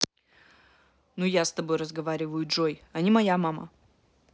ну я с тобой разговариваю джой а не моя мама